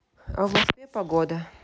а в москве погода